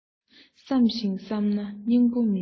བསམ ཞིང བསམ ན སྙིང པོ མིན འདུག